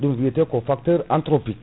ɗum wiyate ko facteur entropique